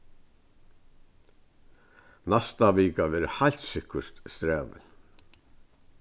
næsta vika verður heilt sikkurt strævin